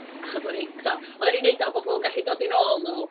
Achos o'n ni, tibod, oedden ni'n wneud o bod pobl yn gallu dod i nôl nhw.